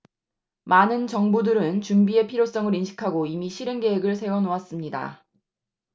많은 정부들은 준비의 필요성을 인식하고 이미 실행 계획을 세워 놓았습니다